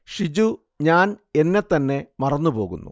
ഷിജു ഞാന് എന്നെ തന്നെ മറന്നു പോകുന്നു